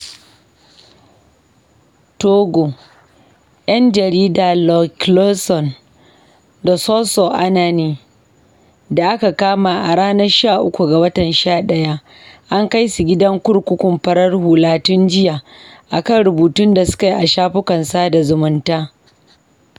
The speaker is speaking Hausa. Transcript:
Togo: Yan jarida @loiclawson1 da @SossouAnani da aka kama a ranar 13/11 an kai su gidan kurkukun farar hula tun jiya akan rubutun da sukai a shafukan sada zumunta.